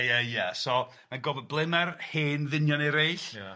So mae'n gof- ble mae'r hen ddynion eraill? Ia.